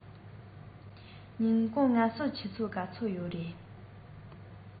ཉིན གུང ངལ གསོ ཆུ ཚོད ག ཚོད ཡོད རས